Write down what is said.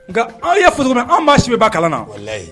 Nka an ye foro an' siba kalan na